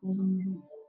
calan iyo gadud